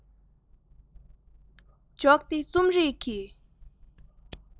འཇོག སྟེ རྩོམ རིག གི